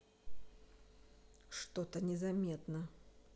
что то незаметно